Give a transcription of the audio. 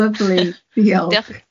Lyfli, diolch.